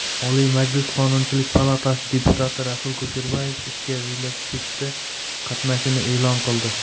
oliy majlis qonunchilik palatasi deputati rasul kusherbayev ishga velosipedda qatnashini e'lon qildi